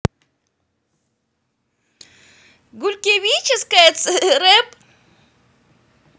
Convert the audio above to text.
гулькевичская црб